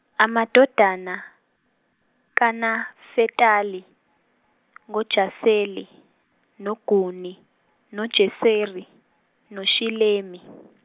amadodana kaNafetali ngoJaseli, noGuni, noJeseri, noShilemi.